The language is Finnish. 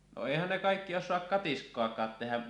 no eihän ne kaikki osaa katiskaakaan tehdä